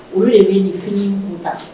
Olu de bɛ nin furu in kun kun ta.